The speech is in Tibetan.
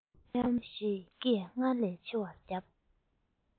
མཱེ མཱེ ཞེས སྐད སྔར ལས ཆེ བར བརྒྱབ